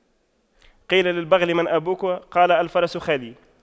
قيل للبغل من أبوك قال الفرس خالي